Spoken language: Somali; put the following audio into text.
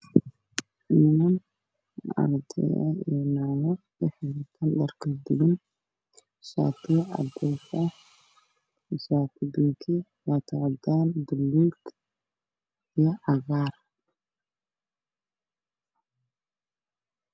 Waa school waxaa jooga niman iyo naago